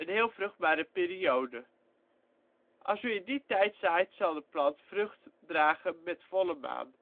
heel vruchtbare periode. Als u in die tijd zaait, zal de plant vrucht dragen met volle maan